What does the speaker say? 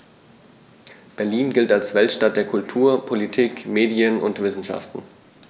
Berlin gilt als Weltstadt der Kultur, Politik, Medien und Wissenschaften.